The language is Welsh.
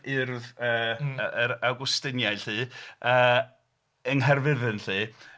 Urdd y... yy yr Awgwstiniaid 'lly yy yng Nhgaerfyddin 'lly